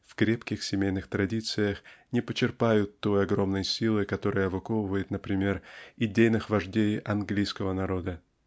в крепких семейных традициях не почерпают той огромной силы которая выковывает например идейных вождей английского народа.